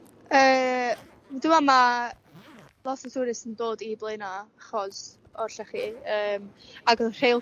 Yy dwi me'l ma' lot o tourists yn dod i Bleuna 'chos o'r llechi yy a'r rheilffyrdd